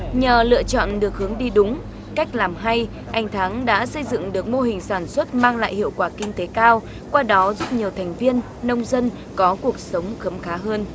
nhờ lựa chọn được hướng đi đúng cách làm hay anh thắng đã xây dựng được mô hình sản xuất mang lại hiệu quả kinh tế cao qua đó giúp nhiều thành viên nông dân có cuộc sống khấm khá hơn